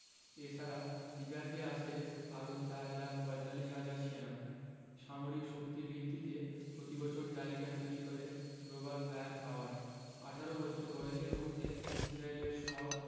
এ ছাড়া রিজার্ভে আছে আরও ৪ লাখ ৪৫ হাজার সেনা সামরিক শক্তির ভিত্তিতে প্রতিবছর তালিকা তৈরি করে গ্লোবাল ফায়ার পাওয়ার ১৮ বছর বয়সের মধ্যে ইসরায়েলের সব